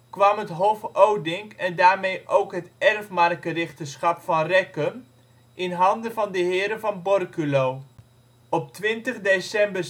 kwam de hof Odink en daarmee ook het erfmarkerichterschap van Rekken in handen van de heren van Borculo. Op 20 december 1615